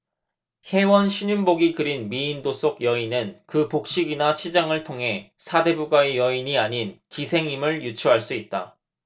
혜원 신윤복이 그린 미인도 속 여인은 그 복식이나 치장을 통해 사대부가의 여인이 아닌 기생임을 유추할 수 있다